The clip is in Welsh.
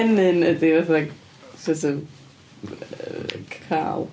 Ennyn ydi fatha, sort of yy, cael.